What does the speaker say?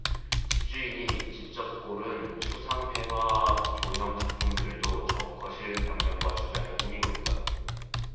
집주인이 직접 고른 추상 회화와 조형 작품들도 거실 벽면과 주변을 꾸미고 있다